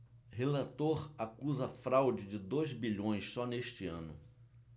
relator acusa fraude de dois bilhões só neste ano